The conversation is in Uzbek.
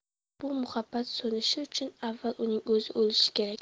bu muhabbat so'nishi uchun avval uning o'zi o'lishi kerak